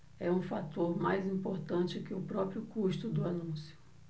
é um fator mais importante que o próprio custo do anúncio